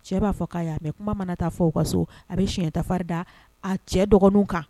Cɛ b'a fɔ' mɛ kuma mana taa fɔ u ka so a bɛ siɲɛtarin da a cɛ dɔgɔnin kan